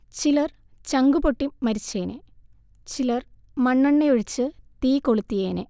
ചിലർ ചങ്കുപൊട്ടി മരിച്ചേനെ, ചിലർ മണ്ണെണ്ണയൊഴിച്ച് തീ കൊളുത്തിയേനെ